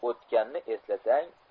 o'tganni eslasang